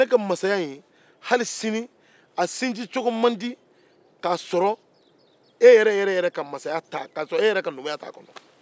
ne ka masaya sinsin man di k'a sɔrɔ e ka numuya t'a kɔnɔ